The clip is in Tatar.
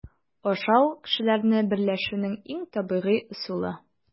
Ашау - кешеләрне берләшүнең иң табигый ысулы.